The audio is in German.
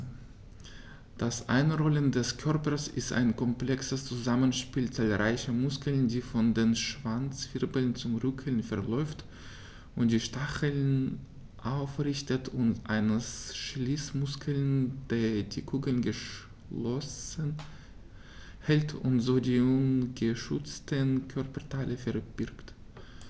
Das Einrollen des Körpers ist ein komplexes Zusammenspiel zahlreicher Muskeln, der von den Schwanzwirbeln zum Rücken verläuft und die Stacheln aufrichtet, und eines Schließmuskels, der die Kugel geschlossen hält und so die ungeschützten Körperteile verbirgt.